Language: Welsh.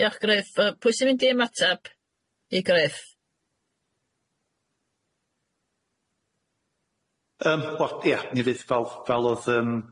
Diolch Gruff yy pwy sy'n mynd i ymateb i Gruff? Yym wel ie neu' beth fel fel odd yym